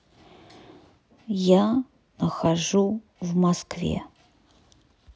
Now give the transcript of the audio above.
я нахожу в москве